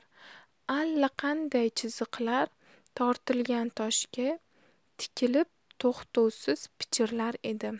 allaqanday chiziqlar tortilgan toshga tikilib to'xtovsiz pichirlar edi